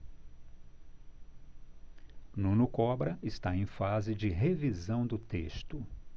nuno cobra está em fase de revisão do texto